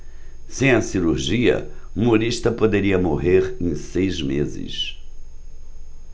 sem a cirurgia humorista poderia morrer em seis meses